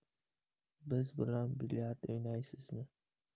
biz bilan bilyard o'ynaysizmi